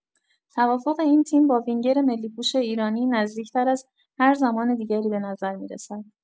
توافق این تیم با وینگر ملی‌پوش ایرانی، نزدیک‌تر از هر زمان دیگری به نظر می‌رسد.